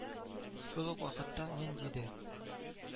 Шул ук вакытта, нинди дә